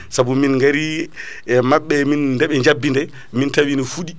saabu min gaari e mabɓe min nde ɓe jabbi nde min tawi ene fuuɗi